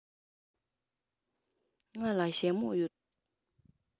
ང ལ ཞྭ མོ ཡོད